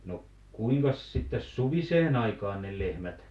no kuinkas sitten suviseen aikaan ne lehmät